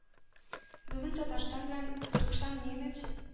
Бүген Татарстан белән туксан немец